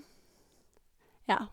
Ja.